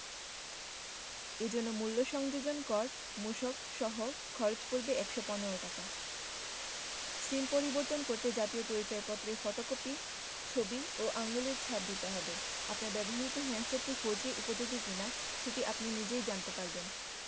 এ জন্য মূল্য সংযোজন কর মূসক সহ খরচ পড়বে ১১৫ টাকা সিম পরিবর্তন করতে জাতীয় পরিচয়পত্রের ফটোকপি ছবি ও আঙুলের ছাপ দিতে হবে আপনার ব্যবহৃত হ্যান্ডসেটটি ফোরজি উপযোগী কিনা সেটি আপনি নিজেই জানতে পারবেন